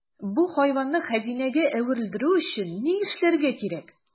Бу хайванны хәзинәгә әверелдерү өчен ни эшләргә кирәк?